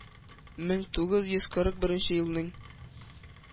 Мең тугыз йөз кырык беренче елның